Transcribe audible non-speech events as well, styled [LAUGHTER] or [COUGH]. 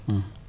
[HESITATION]